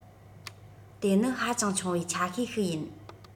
དེ ནི ཧ ཅང ཆུང བའི ཆ ཤས ཤིག ཡིན